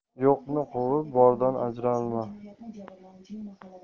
yo'qni quvib bordan ajralma